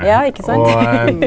ja ikkje sant .